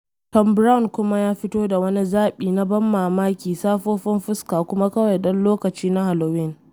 Thom Browne kuma ya fio da wani zaɓi na ban mamaki safofin fuska - kuma kawai don lokaci na Halloween.